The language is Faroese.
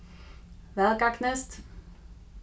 væl gagnist